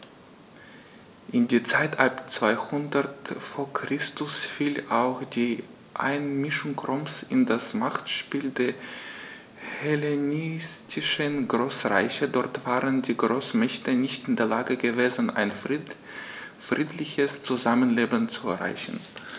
In die Zeit ab 200 v. Chr. fiel auch die Einmischung Roms in das Machtspiel der hellenistischen Großreiche: Dort waren die Großmächte nicht in der Lage gewesen, ein friedliches Zusammenleben zu erreichen.